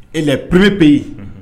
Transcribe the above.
Et les prémiers pays unhun